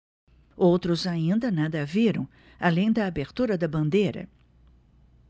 outros ainda nada viram além da abertura da bandeira